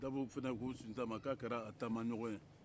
dabɔw fana ko sunjata k'a kɛra a taamaɲɔgɔn ye